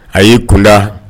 A yi kun da